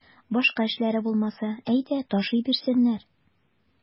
Башка эшләре булмаса, әйдә ташый бирсеннәр.